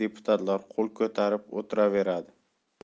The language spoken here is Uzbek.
deputatlar qo'l ko'tarib o'tiraveradi